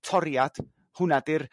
toriad hwnna 'dy'r